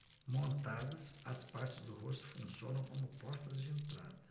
montadas as partes do rosto funcionam como portas de entrada